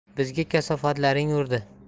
bizga kasofatlaring urdi